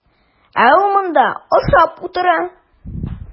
Ә ул монда ашап утыра.